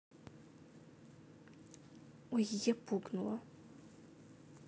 ой я пукнула